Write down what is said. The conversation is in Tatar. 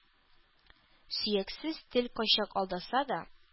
Сөяксез тел кайчак алдаса да,